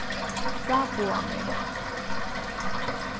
fráboðanir